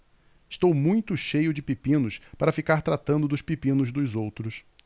estou muito cheio de pepinos para ficar tratando dos pepinos dos outros